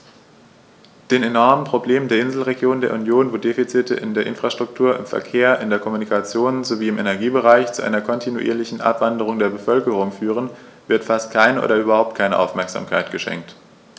Den enormen Problemen der Inselregionen der Union, wo die Defizite in der Infrastruktur, im Verkehr, in der Kommunikation sowie im Energiebereich zu einer kontinuierlichen Abwanderung der Bevölkerung führen, wird fast keine oder überhaupt keine Aufmerksamkeit geschenkt.